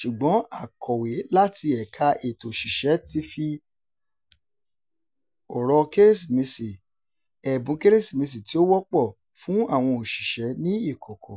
Ṣùgbọ́n akọ̀wé láti ẹ̀ka ètò-òṣìṣẹ́ ti fi òró Kérésìmesì (ẹ̀bùn Kérésìmesì tí ó wọ́pọ̀) fún àwọn òṣìṣẹ́ ní ìkọ̀kọ̀.